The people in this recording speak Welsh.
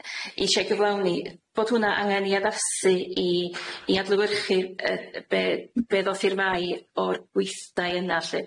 isio'i gyflawni, bod hwn'na angen 'i addasu i i adlewyrchu'r yy be' be' ddoth i'r fai o'r gweithdai yna lly.